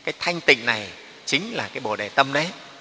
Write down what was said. cái thanh tịnh này chính là cái bồ đề tâm đấy